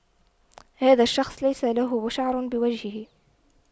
هذا الشخص ليس له شعر بوجهه